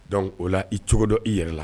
Don o la i cogo dɔ i yɛrɛ la